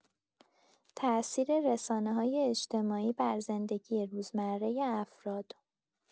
تاثیر رسانه‌های اجتماعی بر زندگی روزمره افراد